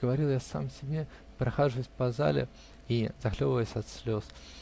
-- говорил я сам себе, прохаживаясь по зале и захлебываясь от слез.